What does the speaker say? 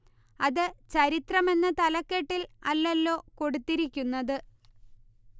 അത് ചരിത്രം എന്ന തലക്കെട്ടിൽ അല്ലല്ലോ കൊടുത്തിരിക്കുന്നത്